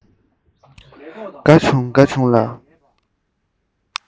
དགའ བྱུང དགའ བྱུང ལ